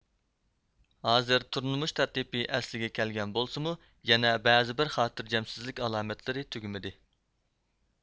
ھازىر تۇرمۇش تەرتىپى ئەسلىگە كەلگەن بولسىمۇ يەنە بەزى خاتىرجەمسىزلىك ئالامەتلىرى تۈگىمىدى